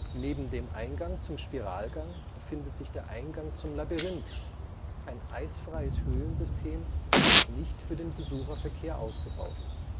Neben dem Eingang zum Spiralgang befindet sich der Eingang zum Labyrinth, ein eisfreies Höhlensystem, das nicht für den Besucherverkehr ausgebaut ist